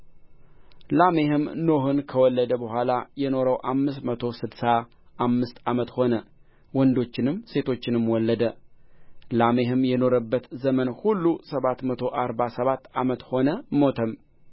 ላሜሕም ኖኅን ከወለደ በኋላ የኖረው አምስት መቶ ስድሳ አምስት ዓመት ሆነ ወንዶችንም ሴቶችንም ወለደ ላሜሕ የኖረበት ዘመን ሁሉ ሰባት መቶ አርባ ሰባት ዓመት ሆነ ሞተም